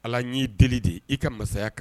Ala n y'i deli de i ka masaya